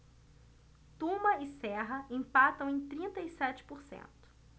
tuma e serra empatam em trinta e sete por cento